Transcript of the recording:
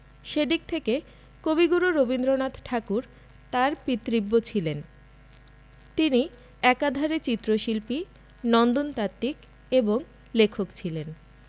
সে দিক থেকে কবিগুরু রবীন্দ্রনাথ ঠাকুর তার পিতৃব্য ছিলেন তিনি একাধারে চিত্রশিল্পী নন্দনতাত্ত্বিক এবং লেখক ছিলেন